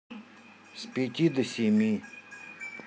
с пяти до семи